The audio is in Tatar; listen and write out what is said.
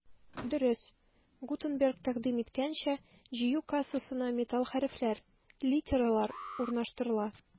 Дөрес, Гутенберг тәкъдим иткәнчә, җыю кассасына металл хәрефләр — литералар урнаштырыла.